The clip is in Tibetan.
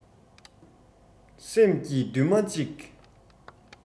སེམས ཀྱི མདུན མ གཅིག